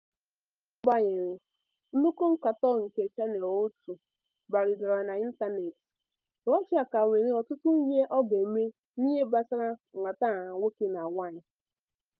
N'agbanyeghị nnukwu nkatọ nke Channel One gabịgara n'ịntaneetị, Russia ka nwere ọtụtụ ihe ọ ga-eme n'ihe gbasara nhatanha nwoke na nwaanyị.